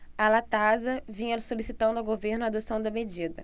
a latasa vinha solicitando ao governo a adoção da medida